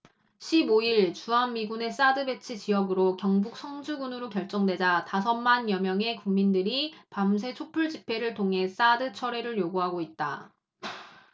십 오 일 주한미군의 사드 배치 지역으로 경북 성주군으로 결정되자 다섯 만여명의 군민들이 밤샘 촛불 집회를 통해 사드 철회를 요구하고 있다